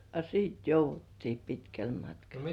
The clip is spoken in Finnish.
a sitten jouduttiin pitkälle matkalle